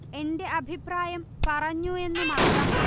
എന്റെ അഭിപ്രായം പറഞ്ഞു എന്നു മാത്രം